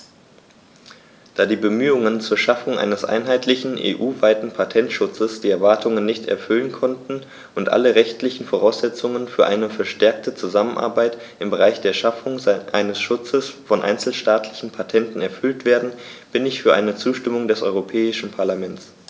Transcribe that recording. Da die Bemühungen zur Schaffung eines einheitlichen, EU-weiten Patentschutzes die Erwartungen nicht erfüllen konnten und alle rechtlichen Voraussetzungen für eine verstärkte Zusammenarbeit im Bereich der Schaffung eines Schutzes von einzelstaatlichen Patenten erfüllt werden, bin ich für eine Zustimmung des Europäischen Parlaments.